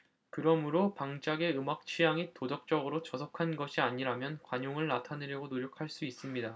그러므로 방짝의 음악 취향이 도덕적으로 저속한 것이 아니라면 관용을 나타내려고 노력할 수 있습니다